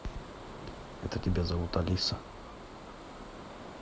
это тебя зовут алиса